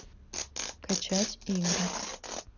качать игры